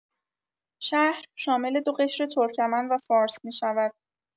شهر شامل دو قشر ترکمن و فارس می‌شود.